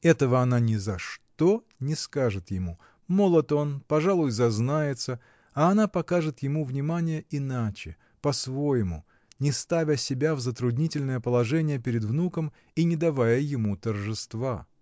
Этого она ни за что не скажет ему: молод он, пожалуй, зазнается, а она покажет ему внимание иначе, по-своему, не ставя себя в затруднительное положение перед внуком и не давая ему торжества.